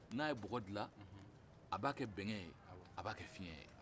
n'a ye bɔgɔ dilan a b'a kɛ bɛgɛ ye a b'a kɛ fiyɛn ye